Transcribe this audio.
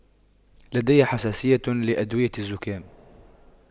لدي حساسية لأدوية الزكام